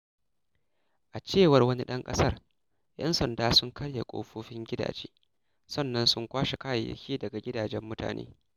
A cewar wani ɗan ƙasar, 'yan sanda sun karya ƙofofin gidaje sannan sun kwashe kayayyaki daga gidajen mutane.